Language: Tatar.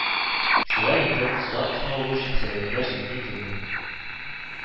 Шулай итеп, статусны алу өчен сәбәпләр җитди түгел